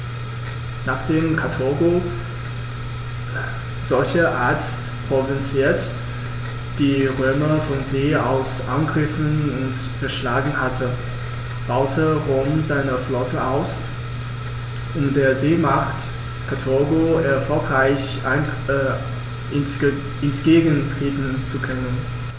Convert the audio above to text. Nachdem Karthago, solcherart provoziert, die Römer von See aus angegriffen und geschlagen hatte, baute Rom seine Flotte aus, um der Seemacht Karthago erfolgreich entgegentreten zu können.